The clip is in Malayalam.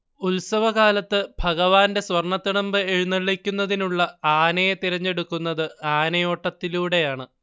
ഉത്സവകാലത്ത് ഭഗവാന്റെ സ്വർണ്ണതിടമ്പ് എഴുന്നള്ളിക്കുന്നതിനുള്ള ആനയെ തിരഞ്ഞെടുക്കുന്നത് ആനയോട്ടത്തിലൂടെയാണ്